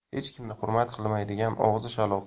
hech kimni hurmat qilmaydigan og'zi